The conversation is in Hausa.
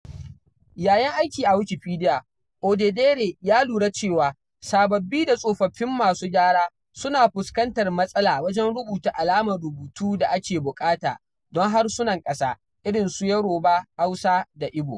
Yayin aiki a Wikipedia, Odedere ya lura cewa sababbi da tsofaffin masu gyara suna fuskantar matsala wajen rubuta alamar rubutu da ake buƙata don harsunan ƙasa irin su Yoruba, Hausa, da Igbo.